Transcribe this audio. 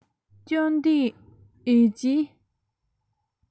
བཅོམ ལྡན འས ཀྱིས